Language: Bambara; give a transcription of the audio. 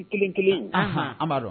Kelen kelen amadu